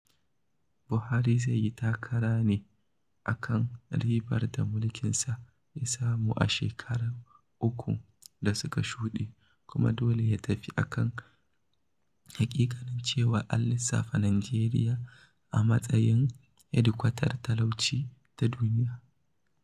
Buhari zai yi takara ne a kan ribar da mulkinsa ya samu a shekaru uku da suka shuɗe kuma dole ya tafi a kan haƙiƙanin cewa an lissafa Najeriya a matsayin hedikwatar talauci ta duniya.